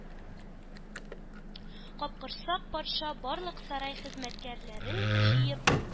Капкорсак патша барлык сарай хезмәткәрләрен җыеп